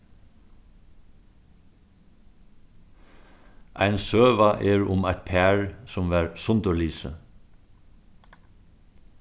ein søga er um eitt par sum varð sundurlisið